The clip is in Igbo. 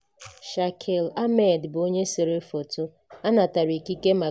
Shakil Ahmed bụ onye sere foto, a natara ikike maka ojiji ya.